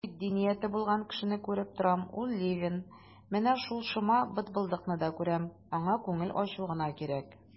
Мин җитди нияте булган кешене күреп торам, ул Левин; менә шул шома бытбылдыкны да күрәм, аңа күңел ачу гына кирәк.